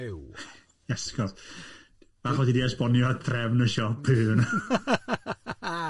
Iasgob, falch bod ti di esbonio trefn y siop i fi .